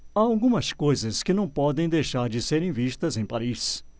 há algumas coisas que não podem deixar de serem vistas em paris